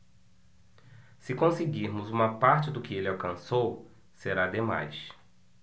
se conseguirmos uma parte do que ele alcançou será demais